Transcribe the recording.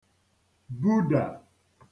budà